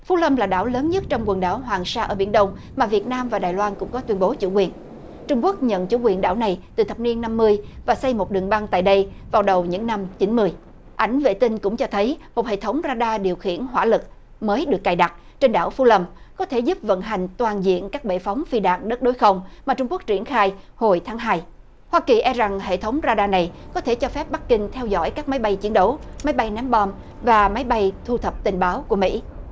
phú lâm là đảo lớn nhất trong quần đảo hoàng sa ở biển đông mà việt nam và đài loan cũng có tuyên bố chủ quyền trung quốc nhận chủ quyền đảo này từ thập niên năm mươi và xây một đường băng tại đây vào đầu những năm chín mươi ảnh vệ tinh cũng cho thấy một hệ thống ra đa điều khiển hỏa lực mới được cài đặt trên đảo phú lâm có thể giúp vận hành toàn diện các bệ phóng phi đạn đất đối không mà trung quốc triển khai hồi tháng hai hoa kỳ e rằng hệ thống ra đa này có thể cho phép bắc kinh theo dõi các máy bay chiến đấu máy bay ném bom và máy bay thu thập tình báo của mỹ